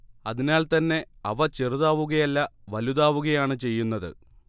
അതിനാൽത്തന്നെ അവ ചെറുതാവുകയല്ല വലുതാവുകയാണ് ചെയ്യുന്നത്